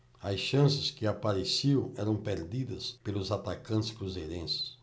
as chances que apareciam eram perdidas pelos atacantes cruzeirenses